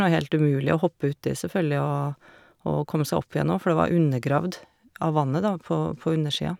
Og helt umulig å hoppe uti, selvfølgelig, og og å komme seg opp igjen òg, for det var undergravd av vannet, da, på på undersia.